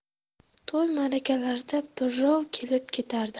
to'y ma'rakalarda birrov kelib ketardi